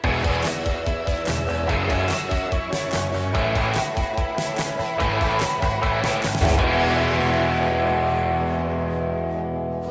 music